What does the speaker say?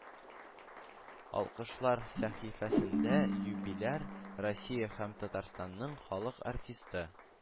«алкышлар» сәхифәсендә – юбиляр, россия һәм татарстанның халык артисты